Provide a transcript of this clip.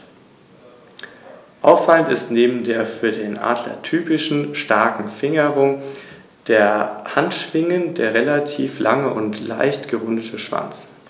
Zudem finden sich viele lateinische Lehnwörter in den germanischen und den slawischen Sprachen.